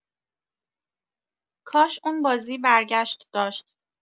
کاش اون بازی برگشت داشت